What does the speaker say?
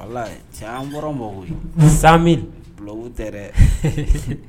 Ala caman wɔɔrɔ mako sa mi bulon tɛ